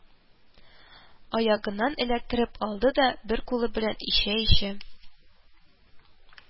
Аягыннан эләктереп алды да, бер кулы белән ишә-ишә,